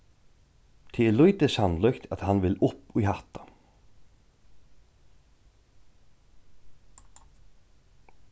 tað er lítið sannlíkt at hann vil upp í hatta